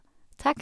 Takk.